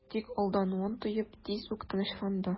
Тик алдануын тоеп, тиз үк тынычланды...